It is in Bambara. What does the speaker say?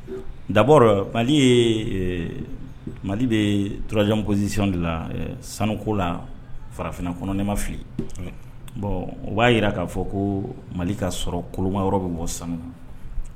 Dabɔ mali mali bɛurajan kosisisɔnon de la sanuko la farafinna kɔnɔ ne ma fili o b'a jira k'a fɔ ko mali ka sɔrɔ kolokan yɔrɔ bɛ bɔ sanu